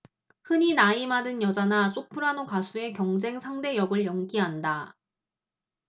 흔히 나이 많은 여자나 소프라노 가수의 경쟁 상대 역을 연기한다